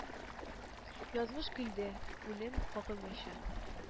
Язмыш көлде, үлем, кагылмыйча,